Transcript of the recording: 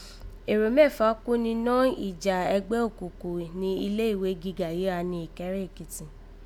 Èrò mẹ́fà kú nínọ́ ìjà ẹgbẹ́ òkùnkùn ni ilé ìwé gíga yìí gha ni Ìkẹ́rẹ́ Èkìtì